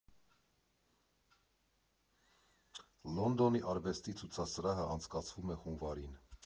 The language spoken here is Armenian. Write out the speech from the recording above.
Լոնդոնի արվեստի ցուցահանդեսը անցկացվում է հունվարին։